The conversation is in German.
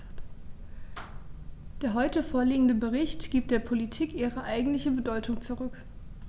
Der heute vorliegende Bericht gibt der Politik ihre eigentliche Bedeutung zurück.